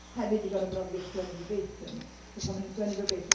hefyd 'di gorfod brofi wrth sgwennu verbatim. So pan o’n i'n sgwennu verbatim...